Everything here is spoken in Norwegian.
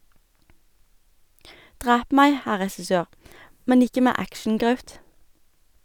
Drep meg, herr regissør, men ikke med actiongraut.